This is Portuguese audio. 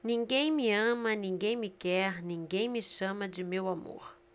ninguém me ama ninguém me quer ninguém me chama de meu amor